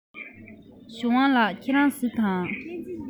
ཞའོ ཝང ལགས ཁྱེད རང གཟིགས དང